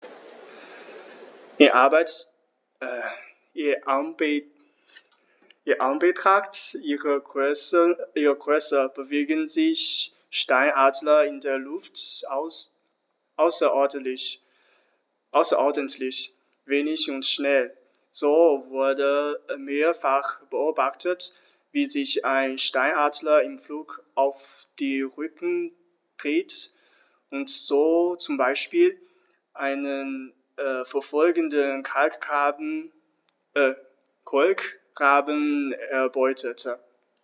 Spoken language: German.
In Anbetracht ihrer Größe bewegen sich Steinadler in der Luft außerordentlich wendig und schnell, so wurde mehrfach beobachtet, wie sich ein Steinadler im Flug auf den Rücken drehte und so zum Beispiel einen verfolgenden Kolkraben erbeutete.